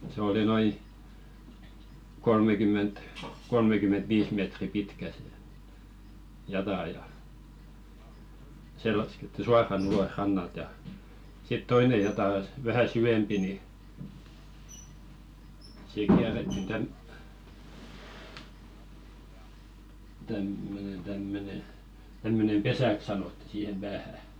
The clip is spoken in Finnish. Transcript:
se oli noin kolmekymmentä kolmekymmentä viisi metriä pitkä se jata ja se laskettiin suoraan ulos rannalta ja sitten toinen jata - vähän syvempi niin siihen kierrettiin - tämmöinen tämmöinen tämmöinen pesäksi sanottiin siihen päähän